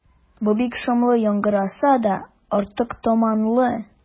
Бу бик шомлы яңгыраса да, артык томанлы.